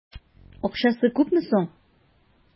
Акчасы күпме соң?